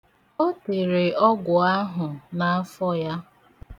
O tere ọgwụ ahụ n'afọ ya.